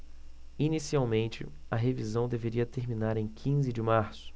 inicialmente a revisão deveria terminar em quinze de março